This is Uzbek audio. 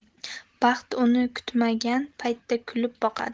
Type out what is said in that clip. baxt uni kutmagan payt kulib boqadi